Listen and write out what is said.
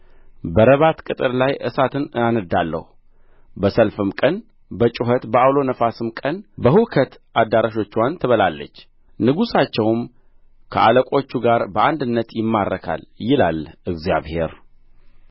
በረባት ቅጥር ላይ እሳትን አነድዳለሁ በሰልፍም ቀን በጩኸት በዐውሎ ነፋስም ቀን በሁከት አዳራሾችዋን ትበላለች ንጉሣቸውም ከአለቆቹ ጋር በአንድነት ይማረካል ይላል እግዚአብሔር